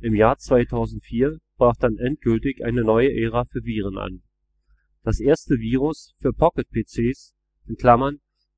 Im Jahr 2004 brach dann endgültig eine neue Ära für Viren an. Das erste Virus für PocketPCs